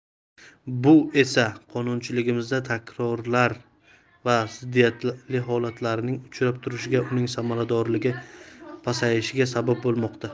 bu esa qonunchiligimizda takrorlar va ziddiyatli holatlarning uchrab turishiga uning samaradorligi pasayishiga sabab bo'lmoqda